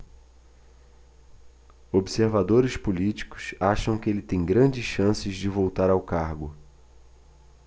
observadores políticos acham que ele tem grandes chances de voltar ao cargo